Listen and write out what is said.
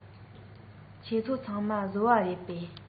ཁྱེད ཚོ ཚང མ བཟོ པ རེད པས